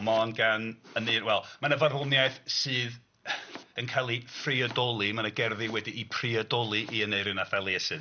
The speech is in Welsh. Mond gan aneir-... wel ma' 'na farddoniaeth sydd yn cael ei phriodoli, ma' 'na gerddi wedi eu priodoli i Aneurin a Thaliesin.